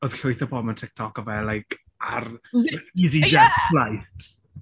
Oedd llwyth o bobl mewn TikTok o fe like ar... w- ie! ...EasyJet flight.